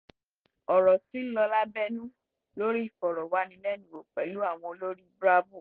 Ọ̀rọ̀ ti ń lọ lábẹ́nú lórí ìfọ̀rọ̀wánilẹ́nuwò mìíràn pẹ̀lú àwọn olórí BRAVO!